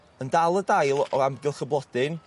yn dal y dail o amgylch y blodyn